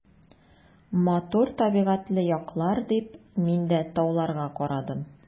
Матур табигатьле яклар, — дип мин дә тауларга карадым.